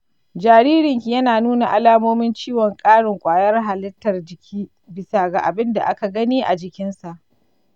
jaririnki yana nuna alamomin ciwon ƙarin kwayar halittar jiki bisa ga abin da aka gani a jikinsa.